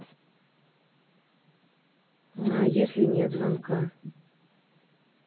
а если нет звонка